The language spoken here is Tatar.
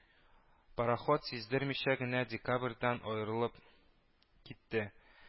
Пароход сиздермичә генә декабердан аерылып китте